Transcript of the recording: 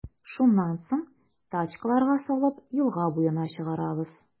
Шуннан соң, тачкаларга салып, елга буена чыгарабыз.